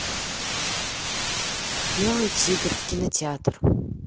белый тигр в кинотеатр